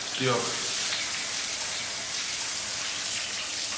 Diolch